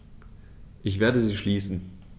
Ich werde sie schließen.